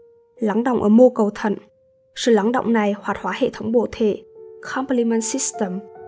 lắng đọng ở mô cầu thận sự lắng đọng này hoạt hóa hệ thống bổ thể